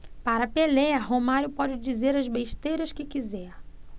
para pelé romário pode dizer as besteiras que quiser